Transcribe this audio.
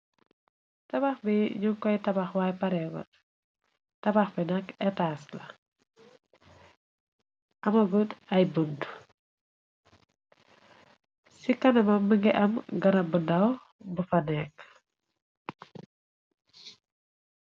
Tabax bi ñu koy tabax waay parear tabax bi nak etaas la. Amagud ay budd ci kanama mëngi am garabbu daw bu fanekk.